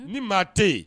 Ni maa tɛ yen